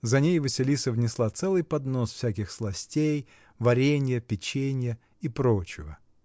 За ней Василиса внесла целый поднос всяких сластей, варенья, печенья и прочего.